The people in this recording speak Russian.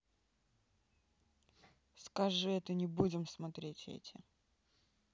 скажи это не будем смотреть эти